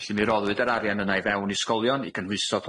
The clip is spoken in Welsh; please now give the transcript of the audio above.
Felly mi roddwyd yr arian yna i fewn i ysgolion i gynhwyso